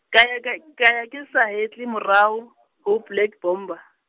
ka ya ka, ka ya ke sa hetle morao, ho Black Bomber.